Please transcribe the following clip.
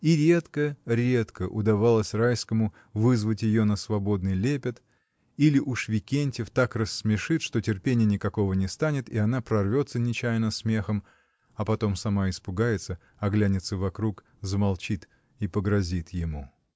И редко-редко удавалось Райскому вызвать ее на свободный лепет, или уж Викентьев так рассмешит, что терпенья никакого не станет, и она прорвется нечаянно смехом, а потом сама испугается, оглянется вокруг, замолчит и погрозит ему.